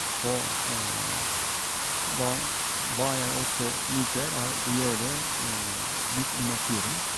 Og hva hva jeg også liker er, du gjør det midt i naturen.